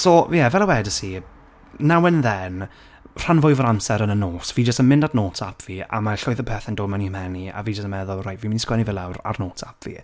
So, ie, fel a- wedes i, now and then, rhan fwyaf o'r amser yn y nos, fi jyst yn mynd at notes app fi a mae llwyth o pethe'n dod mewn i'm mhen i, a fi jyst yn meddwl, right, fi'n mynd i sgwennu fe lawr ar notes ap fi.